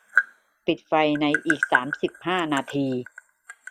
ปิดไฟในอีกสามสิบห้านาที